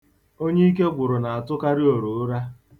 Onye ike gwuru na-atụkarị oruụra.